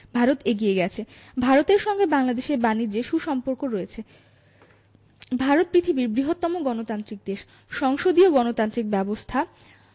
ভারত এগিয়ে গেছে ভারতের সঙ্গে বাংলাদেশের বানিজ্যে সু সম্পর্ক রয়েছে ভারত পৃথিবীর বৃহত্তম গণতান্ত্রিক দেশ সংসদীয় গণতান্ত্রিক ব্যাবস্থা